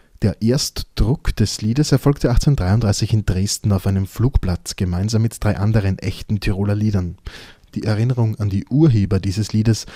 Der Erstdruck des Liedes erfolgte 1833 in Dresden auf einem Flugblatt gemeinsam mit drei anderen „ ächten Tyroler Liedern “. Die Erinnerung an die Urheber des Liedes